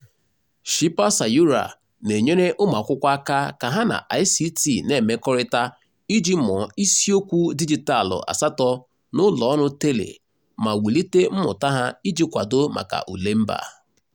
Shilpa Sayura na-enyere ụmụakwụkwọ aka ka ha na ICT na-emekọrịta iji mụọ isiokwu dijitalụ 8 n'ụlọọrụ tele ma wulite mmụta ha iji kwado maka ule mba.